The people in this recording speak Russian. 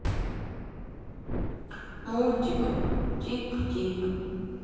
мультик тип тип